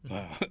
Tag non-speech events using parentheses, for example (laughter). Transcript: waaw (laughs)